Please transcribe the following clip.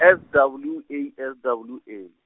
S W A S W A.